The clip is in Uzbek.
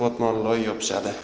botmon loy yopishadi